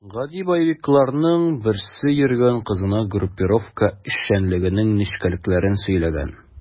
Гади боевикларның берсе йөргән кызына группировка эшчәнлегенең нечкәлекләрен сөйләгән.